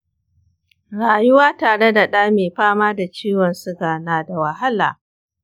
rayuwa tare da ɗa mai fama da ciwon suga na da wahala.